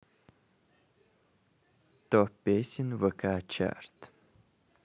топ песен вк чарт